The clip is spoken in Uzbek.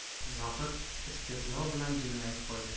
zohid istehzo bilan jilmayib qo'ydi